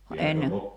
vaan ennen